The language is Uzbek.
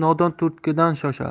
nodon turtkidan shoshar